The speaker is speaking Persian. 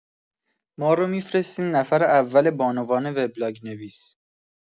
مارو می‌فرستین نفر اول بانوان وبلاگ‌نویس